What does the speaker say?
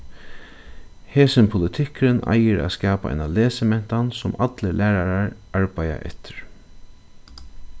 hesin politikkurin eigur at skapa eina lesimentan sum allir lærarar arbeiða eftir